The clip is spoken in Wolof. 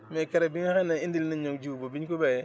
mais keroog bi nga xam ne indil nañ ñu jiw ba biñ ko béyee